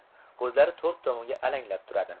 ko'zlari to'rt tomonga alanglab turadi